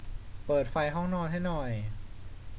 เปิดไฟห้องนอนให้หน่อย